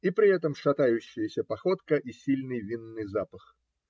И при этом шатающаяся походка и сильный винный запах.